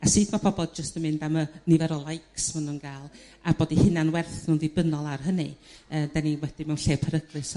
A sud ma' pobol jyst yn mynd am y nifer o likes ma' nhw'n ga'l a bod 'u hunain werth nhw'n ddibynnol ar hynny yrr 'dyn ni wedyn mewn lle peryglus.